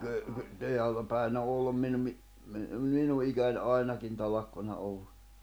kyllä kyllä teillä päin on ollut minunkin - minun ikäni ainakin talkkunaa ollut